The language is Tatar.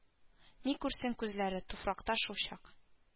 Ни күрсен күзләре: туфракта шул чак